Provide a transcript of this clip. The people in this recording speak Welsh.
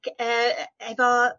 cy- yy yy efo